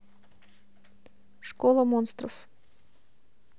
школа монстров